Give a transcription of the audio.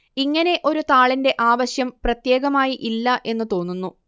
ഇങ്ങനെ ഒരു താളിന്റെ ആവശ്യം പ്രത്യേകമായി ഇല്ല എന്നു തോന്നുന്നു